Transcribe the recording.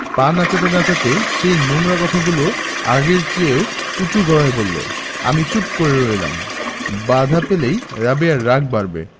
পা নাচাতে নাচাতে সেই নোংরা কথাগুলি আগের চেয়েও উচু গলায় বললো আমি চুপ করে রইলাম বাধা পেলেই রাবেয়ার রাগ বাড়বে